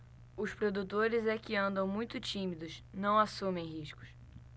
os produtores é que andam muito tímidos não assumem riscos